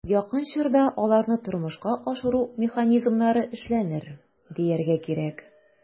Якын чорда аларны тормышка ашыру механизмнары эшләнер, дияргә кирәк.